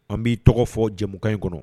An b'i tɔgɔ fɔ jamukan in kɔnɔ